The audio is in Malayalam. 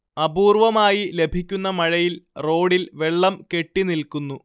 അപൂർവമായി ലഭിക്കുന്ന മഴയിൽ റോഡില്‍ വെള്ളം കെട്ടിനിൽക്കുന്നു